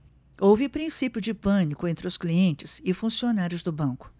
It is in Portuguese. houve princípio de pânico entre os clientes e funcionários do banco